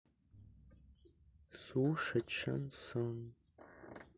слушать шансон